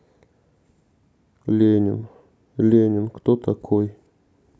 ленин ленин кто такой